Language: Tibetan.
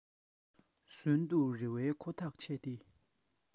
གསོན དུ རེ བའི ཁོ ཐག ཆད དེ